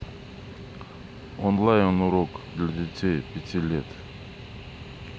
онлайн урок для детей пяти лет